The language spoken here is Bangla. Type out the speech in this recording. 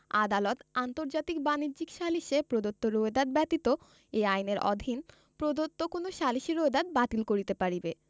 আদালত আন্তর্জাতিক বাণিজ্যিক সালিসে প্রদত্ত রোয়েদাদ ব্যতীত এই আইনের অধীন প্রদত্ত কোন সালিসী রোয়েদাদ বাতিল করিতে পারিবে